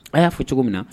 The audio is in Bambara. A y'a fɔ cogo minna